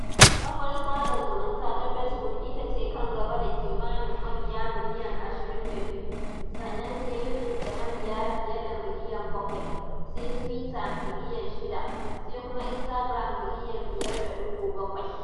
Kafar sada zumunta ta Facebook ita ce kan gaba da kimanin mabiya miliyan 22, sannan sai YouTube (da mabiya fiye da miliyan 7), sai Twitter (Miliyan 6) sai kuma Instagram (milyan 5.7).